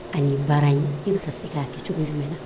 An ye baara ye, i bɛ ka se k'a kɛ cogo jumɛn